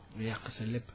mu yàq sa lépp